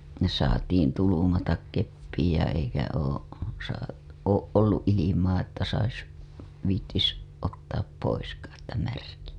- ne saatiin tulmata keppiin ja eikä ole - ole ollut ilmaa että saisi viitsisi ottaa poiskaan että märkiä